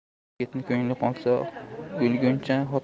yigitning ko'ngli qolsa o'lguncha